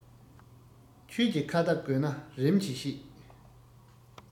ཆོས ཀྱི ཁ བརྡ དགོས ན རིམ གྱིས བཤད